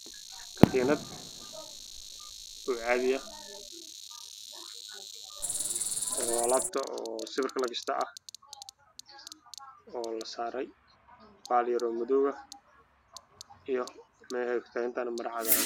Katiinad oo caadi ah